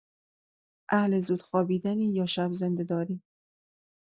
اهل زود خوابیدنی یا شب‌زنده‌داری؟